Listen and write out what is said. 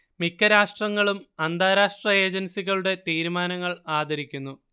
മിക്കരാഷ്ട്രങ്ങളും അന്താരാഷ്ട്ര ഏജൻസികളുടെ തീരുമാനങ്ങൾ ആദരിക്കുന്നു